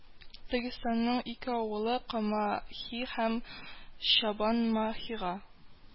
Дагыстанның ике авылы, Карамахи белән Чабанмахига